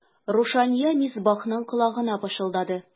Рушания Мисбахның колагына пышылдады.